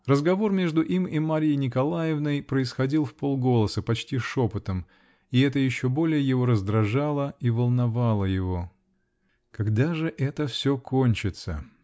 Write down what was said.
Разговор между им и Марьей Николаевной происходил вполголоса, почти шепотом -- и это еще более его раздражало и волновало его. Когда же это все кончится?